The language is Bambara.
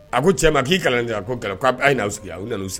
A ko cɛ k'i kalan di a ko ye n'aw sigi a nana u sigi